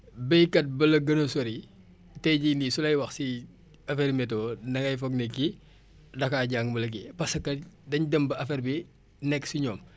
tey jii nii su lay wax ci affaire météo dangay foog ni kii da kaa jàng wala kii parce que dañ dem ba affaire bi nekk si ñoom dañ koy lijjanti guddi di ko lijjanti bëccëg